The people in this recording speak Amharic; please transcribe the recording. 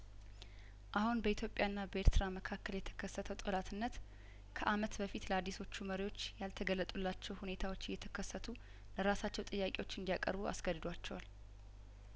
አሁን በኢትዮጵያና በኤርትራ መካከል የተከሰተው ጠላትነት ከአመት በፊት ለአዲሶቹ መሪዎች ያልተገለጡላቸው ሁኔታዎች እየተከሰቱ ለራሳቸው ጥያቄዎችን እንዲ ያቀርቡ አስገድዷቸዋል